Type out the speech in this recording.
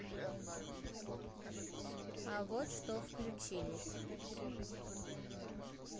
а вот что включились